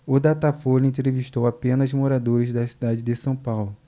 o datafolha entrevistou apenas moradores da cidade de são paulo